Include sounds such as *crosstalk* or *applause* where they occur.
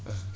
*hesitation*